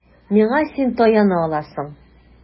Миңа син таяна аласың.